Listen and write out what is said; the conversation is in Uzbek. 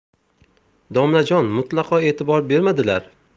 domlajon mutlaqo e'tibor bermadilar